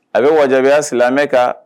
A bɛ wajibiya silamɛmɛ kan